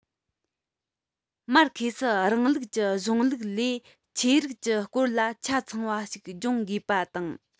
མར ཁེ སི རིང ལུགས ཀྱི གཞུང ལུགས ལས ཆོས ལུགས ཀྱི སྐོར ལ ཆ ཚང བ ཞིག སྦྱོང དགོས པ དང